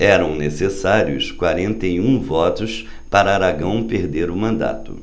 eram necessários quarenta e um votos para aragão perder o mandato